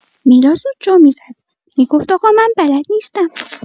میلاد زود جا می‌زد، می‌گفت آقا من بلد نیستم.